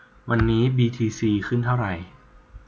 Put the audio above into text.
วันนี้บีทีซีขึ้นเท่าไหร่